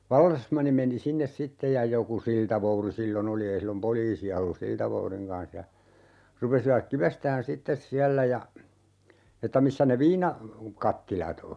vallesmanni meni sinne sitten ja joku siltavouti silloin oli ei silloin poliisia ollut siltavoudin kanssa ja rupesivat kivestämään sitten siellä ja että missä ne - viinakattilat on